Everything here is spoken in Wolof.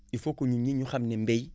il faut que ñun ñii ñu xam ne mbay